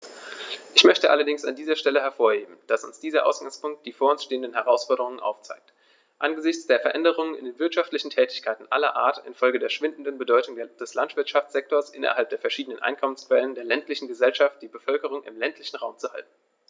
Ich möchte allerdings an dieser Stelle hervorheben, dass uns dieser Ausgangspunkt die vor uns stehenden Herausforderungen aufzeigt: angesichts der Veränderungen in den wirtschaftlichen Tätigkeiten aller Art infolge der schwindenden Bedeutung des Landwirtschaftssektors innerhalb der verschiedenen Einkommensquellen der ländlichen Gesellschaft die Bevölkerung im ländlichen Raum zu halten.